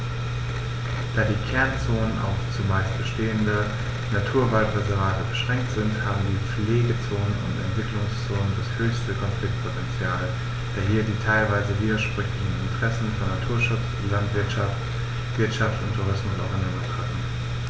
Da die Kernzonen auf – zumeist bestehende – Naturwaldreservate beschränkt sind, haben die Pflegezonen und Entwicklungszonen das höchste Konfliktpotential, da hier die teilweise widersprüchlichen Interessen von Naturschutz und Landwirtschaft, Wirtschaft und Tourismus aufeinandertreffen.